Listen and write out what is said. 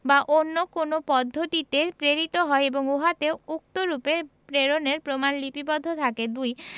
বা অন্য কোন পদ্ধতিতে প্রেরিত হয় এবং উহাতে উক্তরূপে প্রেরণের প্রমাণ লিপিবদ্ধ থাকে ২